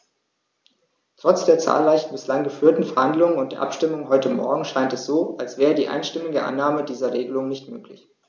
Trotz der zahlreichen bislang geführten Verhandlungen und der Abstimmung heute Morgen scheint es so, als wäre die einstimmige Annahme dieser Regelung nicht möglich.